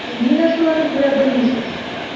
Сез нигә шуларны күрә белмисез?